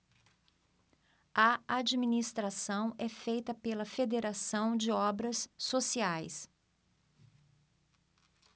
a administração é feita pela fos federação de obras sociais